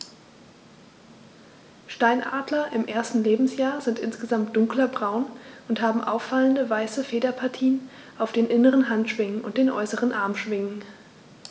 Steinadler im ersten Lebensjahr sind insgesamt dunkler braun und haben auffallende, weiße Federpartien auf den inneren Handschwingen und den äußeren Armschwingen.